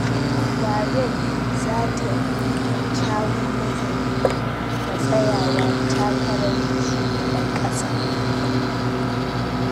Warren za ta yi "kyakkyawan nazari" ga Tsayawa takarar Shugaban kasa